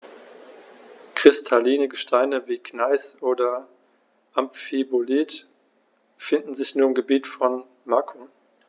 Kristalline Gesteine wie Gneis oder Amphibolit finden sich nur im Gebiet von Macun.